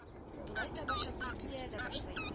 Болай таба чаптырып кил ә дә башлый